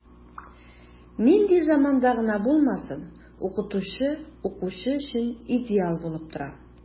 Нинди заманда гына булмасын, укытучы укучы өчен идеал булып тора.